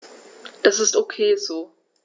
Das ist ok so.